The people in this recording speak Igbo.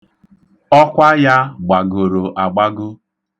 Ọkwa ya ka nke m.